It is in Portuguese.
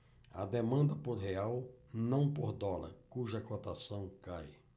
há demanda por real não por dólar cuja cotação cai